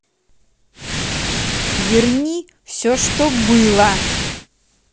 верни все что было